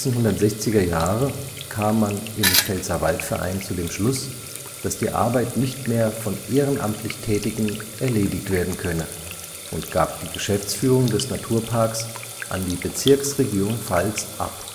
1960er Jahre kam man im PWV zu dem Schluss, dass die Arbeit nicht mehr von ehrenamtlich Tätigen erledigt werden könne, und gab die Geschäftsführung des Naturparks an die Bezirksregierung Pfalz ab